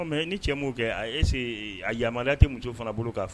Ɔn mais ni cɛ mo kɛ est-ce que a yamariya tɛ muso fana bolo ka fɛ